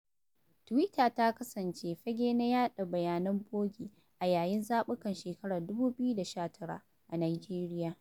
Tuwita ta kasance fage na yaɗa bayanan bogi a yayin zaɓukan shekarar 2019 a Nijeriya.